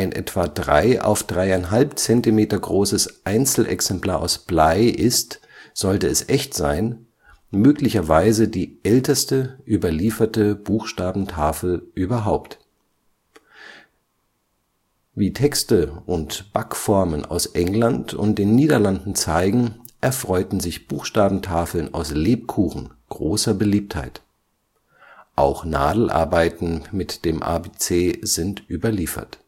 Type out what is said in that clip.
etwa 3×3½ cm großes Einzelexemplar aus Blei ist, sollte es echt sein, möglicherweise die älteste überlieferte Buchstabentafel überhaupt (siehe Abbildung links oben). Das Bild links unten zeigt eine wahrscheinlich aus dem 16. Jahrhundert stammende steinerne Gussform aus Deutschland und eine damit hergestellte 4½ cm breite bleierne Tafel. Wie Texte und Backformen aus England und den Niederlanden zeigen, erfreuten sich Buchstabentafeln aus Lebkuchen großer Beliebtheit. Auch Nadelarbeiten mit dem ABC sind überliefert